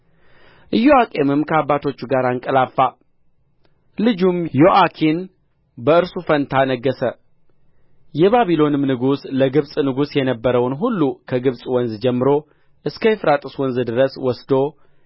ኢዮአቄምም ከአባቶቹ ጋር አንቀላፋ ልጁም ዮአኪን በእርሱ ፋንታ ነገሠ የባቢሎንም ንጉሥ ለግብጽ ንጉሥ የነበረውን ሁሉ ከግብጽ ወንዝ ጀምሮ እስከ ኤፍራጥስ ወንዝ ድረስ ወስዶ